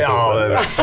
ja det er bra.